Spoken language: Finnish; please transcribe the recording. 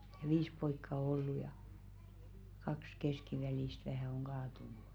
ja viisi poikaa on ollut ja kaksi keskivälistä vähän on kaatunut